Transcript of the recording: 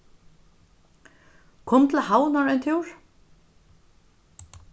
kom til havnar ein túr